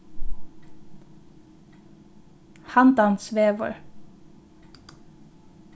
handansvegur